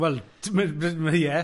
Wel, ma' ie.